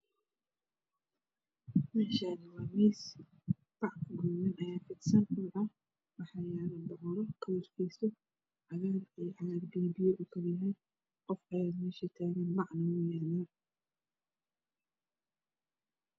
Meeshaani waa miis bac guduunan Aya ku fidsan waxa yaalo kalarkisa cagaar biyo biyo ubadan qof ayaa meesha taagan bacna wuu yaalo